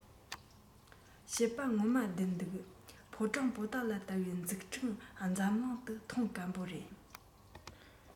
བཤད པ ངོ མ བདེན འདུག ཕོ བྲང པོ ཏ ལ ལྟ བུའི འཛུགས སྐྲུན འཛམ གླིང དུ མཐོང དཀོན པོ རེད